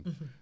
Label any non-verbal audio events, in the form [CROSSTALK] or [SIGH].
[HESITATION] [HESITATION]